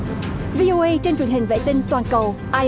vi ô ây trên truyền hình vệ tinh toàn cầu ai